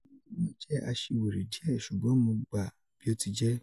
Ipolongo naa jẹ aṣiwere diẹ ṣugbọn mo gba bi o ti jẹ.